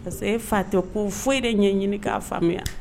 Parce que e fa tɛ ko foyi de ɲɛ ɲini k'a faamuya